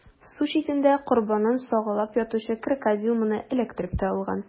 Су читендә корбанын сагалап ятучы Крокодил моны эләктереп тә алган.